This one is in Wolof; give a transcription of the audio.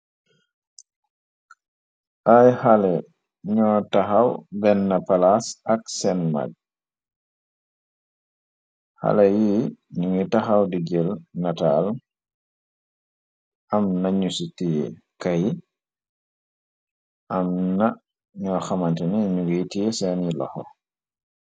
Aay xale ñoo taxaw ben na palaas ak seen mag, xale yi ñu ngi taxaw di jël nataal, am nañu ci tiye kayit, amna ñoo xamantine ñungiy tiye seen yi loxo.